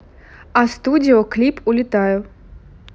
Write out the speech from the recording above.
а студио клип улетаю